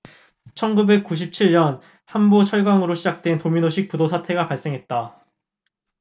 천 구백 구십 칠 년 일 월 한보 철강으로 시작된 도미노식 부도 사태가 발생했다